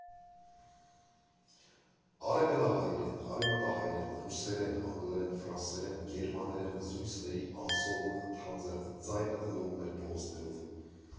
Արևելահայերեն, արևմտահայերեն, ռուսերեն, անգլերեն, ֆրանսերեն, գերմաներեն զրույցների անսովոր թանձր ձայնը լողում էր փողոցներով։